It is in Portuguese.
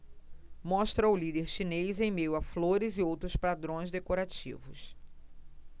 mostra o líder chinês em meio a flores e outros padrões decorativos